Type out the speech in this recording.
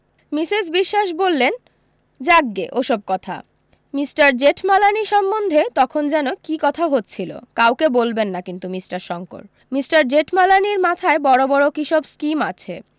Mrs Biswas বললেন যাকগে ওসব কথা মিষ্টার জেঠমালানি সম্বন্ধে তখন যেন কী কথা হচ্ছিল কাউকে বলবেন না কিন্তু মিষ্টার শংকর মিষ্টার জেঠমালানির মাথায় বড় বড় কীসব স্কীম আছে